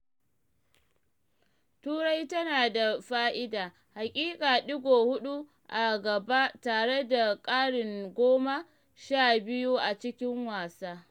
Turai tana da fa’ida, haƙiƙa, digo huɗu a gaba tare da ƙarin goma sha biyu a cikin wasa.